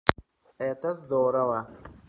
это здорово